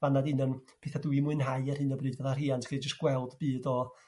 fan 'na fi'n yn petha' dw i mwynhau ar hyn o bryd fatha rhiant 'lly j's' gweld byd o